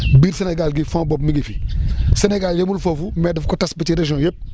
biir Sénéal gii fond boobu mi ngi fi Sénégal yemul foofu mais daf ko tas ba ci régions yëpp